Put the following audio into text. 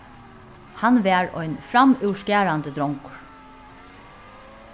hann var ein framúrskarandi drongur